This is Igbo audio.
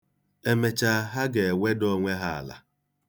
E mechaa, ha ga-eweda onwe ha ala.